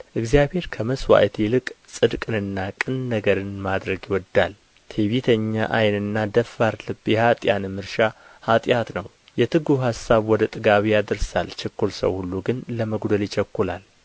እግዚአብሔር ከመሥዋዕት ይልቅ ጽድቅንና ቅን ነገርን ማድረግ ይወድዳል ትዕቢተኛ ዓይንና ደፋር ልብ የኀጥኣንም እርሻ ኃጢአት ነው የትጉህ አሳብ ወደ ጥጋብ ያደርሳል ችኵል ሰው ሁሉ ግን ለመጕደል ይቸኩላል